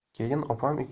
keyin opam ikkovlari